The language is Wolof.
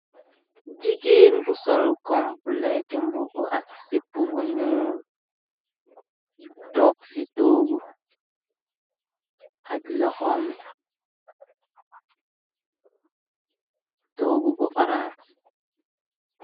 Jigéen bu sol kompleti mbubu. Ak sip bu ñuul toog ci aj loxomi toogu bu orance.